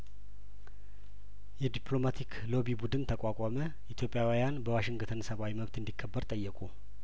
የዲፕሎማቲክ ሎቢ ቡድን ተቋቋመ ኢትዮጵያውያን በዋሽንግተን ሰብአዊ መብት እንዲ ከበር ጠየቁ